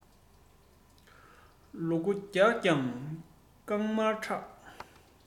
ལུ གུ རྒྱགས ཀྱང རྐང མར ཁྲག